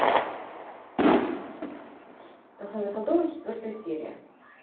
кафе на садовой четвертая серия